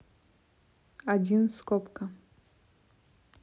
один скобка